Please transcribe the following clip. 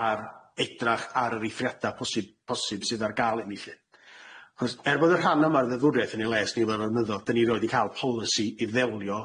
ar edrach ar yr eithriada posib posib sydd ar ga'l un ni lly. Achos er bod y rhan yma'r ddeddfwriaeth yn ei le es nifer o flynyddodd day ni rioedd di ca'l polisi i ddelio